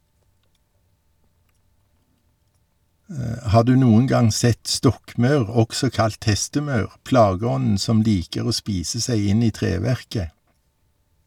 Har du noen gang sett stokkmaur, også kalt hestemaur, plageånden som liker å spise seg inn i treverket?